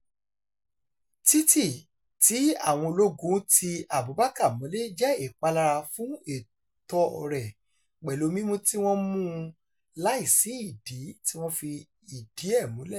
Títì tí àwọn ológun ti Abubacar mọ́lé jẹ́ ìpalára fún ẹ̀tọ́ rẹ pẹ̀lú mímú tí wọ́n mú un láìsí ìdí tí wọ́n fi ìdí ẹ múlẹ̀.